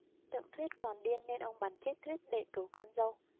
tưởng thuyết còn điên nên ông bắn chết thuyết để cứu con dâu